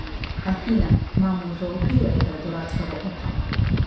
афина мама уже убила этого дурацкого уха